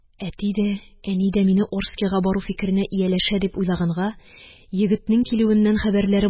Әти дә, әни дә мине Орскига бару фикеренә ияләшә дип уйлаганга, егетнең килүеннән хәбәрләре